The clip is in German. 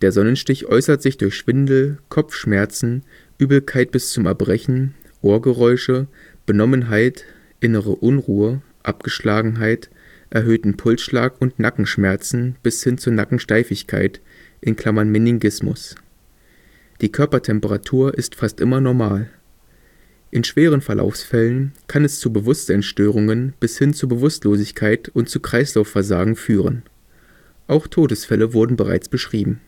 Sonnenstich äußert sich durch Schwindel, Kopfschmerzen, Übelkeit bis zum Erbrechen, Ohrgeräusche, Benommenheit, innere Unruhe, Abgeschlagenheit, erhöhten Pulsschlag, und Nackenschmerzen bis hin zu Nackensteifigkeit (Meningismus). Die Körpertemperatur ist fast immer normal. In schweren Verlaufsfällen kann es zu Bewusstseinsstörungen bis hin zur Bewusstlosigkeit und zu Kreislaufversagen führen. Auch Todesfälle wurden bereits beschrieben